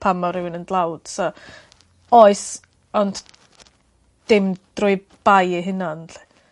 Pam ma' rywun yn dlawd so oes ont dim drwy bai eu hunan 'lly.